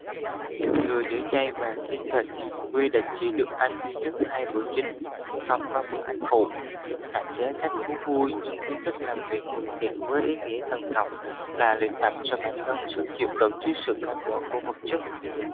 ngày giữ chay và kiêng thịt quy định chỉ được ăn duy nhất hai bữa chính không có bữa ăn phụ hạn chế các thú vui nhưng khuyến khích làm việc từ thiện với ý nghĩa thần học là luyện tập cho bản thân sức chịu đựng trước sự cám dỗ của vật chất